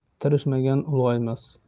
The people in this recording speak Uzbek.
tirishmagan ulg'aymas